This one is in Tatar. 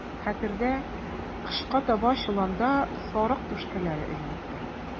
Хәтердә, кышка таба чоланда сарык түшкәләре эленеп тора.